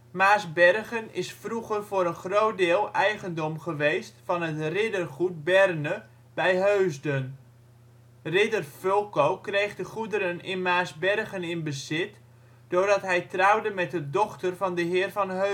Maarsbergen is vroeger voor een groot deel eigendom geweest van het riddergoed Berne bij Heusden. Ridder Fulco kreeg de goederen in Maarsbergen in bezit doordat hij trouwde met de dochter van de heer van